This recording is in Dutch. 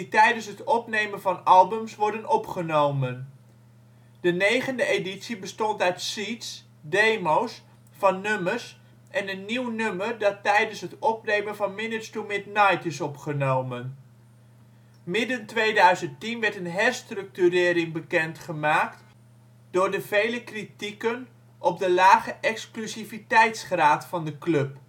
tijdens het opnemen van albums worden opgenomen. De negende editie bestond uit seeds (demo 's) van nummers en een nieuw nummer dat tijdens het opnemen van Minutes to Midnight is opgenomen. Midden 2010 werd een herstructuering bekend gemaakt door de vele kritieken op de lage exclusiviteitsgraad van de club